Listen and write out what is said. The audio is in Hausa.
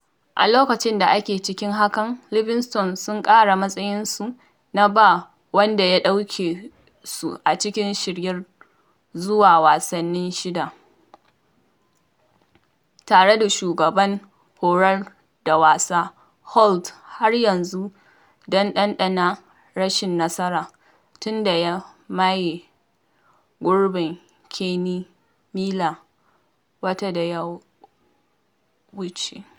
A loƙacin da ake ciki hakan, Livinsgton, sun kara matsayinsu na ba wanda ya doke su a cikin shiyyar zuwa wasanni shida, tare da shugaban horar da wasa Holt har yanzu don ɗanɗana rashin nasara tun da ya maye gurbin Kenny Miler wata da ya wuce.